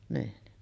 niin